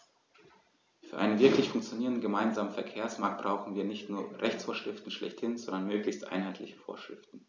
Für einen wirklich funktionierenden gemeinsamen Verkehrsmarkt brauchen wir nicht nur Rechtsvorschriften schlechthin, sondern möglichst einheitliche Vorschriften.